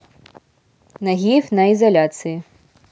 нагиев на изоляции